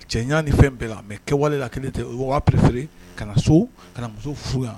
Cɛɲan ni fɛn bɛɛ la mais kɛwale la kelen tɛ o wa préférer kana so, kana muso furu yan.